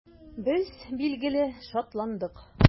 Без, билгеле, шатландык.